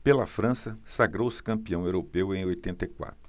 pela frança sagrou-se campeão europeu em oitenta e quatro